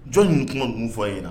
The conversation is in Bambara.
Jɔn ninnu kuma dun fɔ ye jira